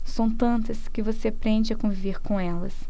são tantas que você aprende a conviver com elas